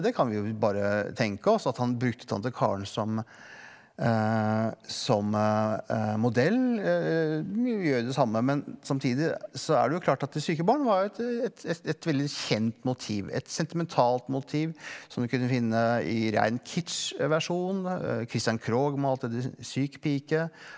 det kan vi jo bare tenke oss at han brukte tante Karen som som modell gjør jo det samme men samtidig så er det jo klart at Det syke barn var et et et veldig kjent motiv et sentimentalt motiv som vi kunne finne i rein kitsj versjon Christian Krohg malte det Syk pike.